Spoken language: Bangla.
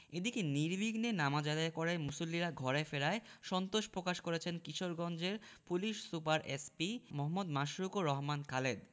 এদিকে নির্বিঘ্নে নামাজ আদায় করে মুসল্লিরা ঘরে ফেরায় সন্তোষ প্রকাশ করেছেন কিশোরগঞ্জের পুলিশ সুপার এসপি মো. মাশরুকুর রহমান খালেদ